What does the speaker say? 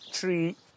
tri